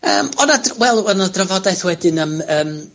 Yym, o' 'na d-, wel o' 'na drafodaeth wedyn am yym